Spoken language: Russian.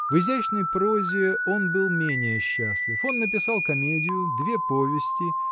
В изящной прозе он был менее счастлив. Он написал комедию две повести